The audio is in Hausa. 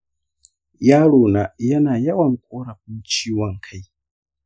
yarona yana yawan korafin ciwon kai.